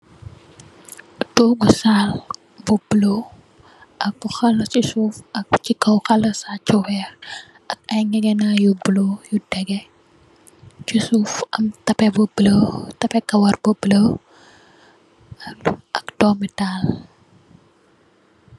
Toogu sal bu bulo ak bu hala ci suuf ak bu chi kaw halasachweer ak ay ngegenaay yu bulo yu tégé. Ci suuf am tapè bu bulo, tapè kawar bu bulo ak doomital.